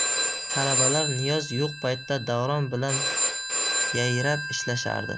talabalar niyoz yo'q paytda davron bilan yayrab ishlashardi